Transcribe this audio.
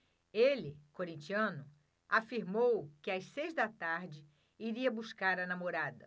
ele corintiano afirmou que às seis da tarde iria buscar a namorada